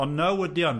Ond Now ydio ynde?